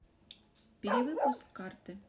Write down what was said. перевыпуск карты